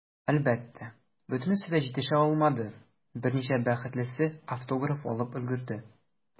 Әлбәттә, бөтенесе дә җитешә алмады, берничә бәхетлесе автограф алып өлгерде.